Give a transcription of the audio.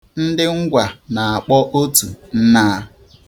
Ndị Ngwa na-akpọ otu 'nnaà.